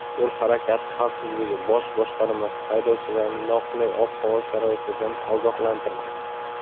yo'l harakati xavfsizligi bosh boshqarmasi haydovchilarni noqulay ob havo sharoitidan ogohlantirdi